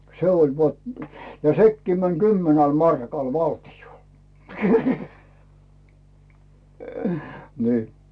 se oli - ja sekin meni kymmenellä markalla valtiolle niin